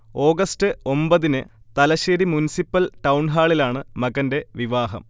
August ഒമ്പതിന് Thalassery municipal ടൗൺഹാളിലാണ് മകന്റെ വിവാഹം